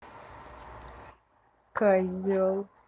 козел